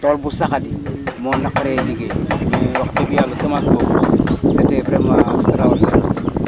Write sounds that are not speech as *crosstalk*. tool bu saxdi *noise* moo naqaree liggéeyee *noise* wax dëgg yàlla *noise* semence boobu *noise* c' était vraiment *noise* extraordinaire *noise*